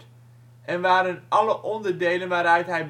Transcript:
en waren alle onderdelen waaruit hij